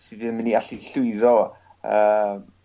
sy ddim yn myn' i allu llwyddo yym